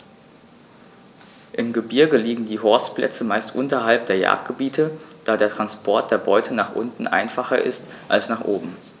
Im Gebirge liegen die Horstplätze meist unterhalb der Jagdgebiete, da der Transport der Beute nach unten einfacher ist als nach oben.